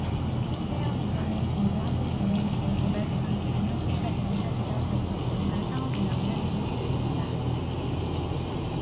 퇴역 이전의 중고 항공기는 주로 개발도상국의 항공사들이 사들여 다시 몇년간 상업운항을 한 뒤 폐기된다